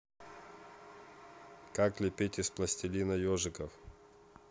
как лепить из пластилина ежиков